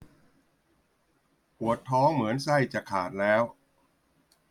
ปวดท้องเหมือนไส้จะขาดแล้ว